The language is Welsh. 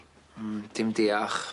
Hmm dim dioch.